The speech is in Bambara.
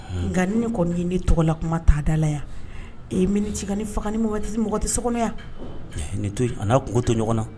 Nka ne kɔni ne tɔgɔla kuma ta dalala yan e m ci ka ne faga ni waati mɔgɔ tɛ so kɔnɔya ne to a ko to ɲɔgɔn na